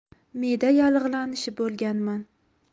me'da yallig'lanishi bo'lganman